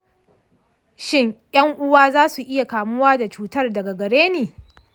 shin ‘yan uwa za su iya kamuwa da cutar daga gare ni?